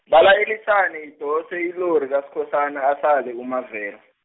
balayelisane idose ilori kaSkhosana asale uMavela.